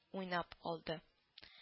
Уйнап алды